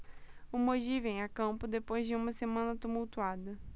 o mogi vem a campo depois de uma semana tumultuada